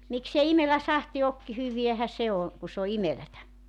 miksi ei imelä sahti ole hyväähän se on kun se on imelää